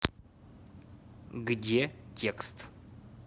где текст